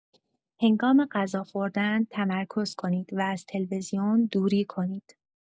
هنگام غذا خوردن تمرکز کنید و از تلویزیون دوری کنید.